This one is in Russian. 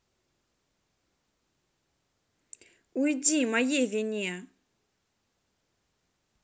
уйди моей вине